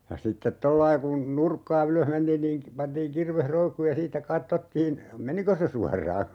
ja sitten tuolla lailla kun nurkkaa ylös mentiin niin - pantiin kirves roikkumaan ja siitä katsottiin menikö se suoraan